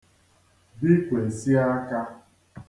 bikwèsi ākā